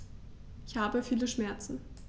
Ich habe viele Schmerzen.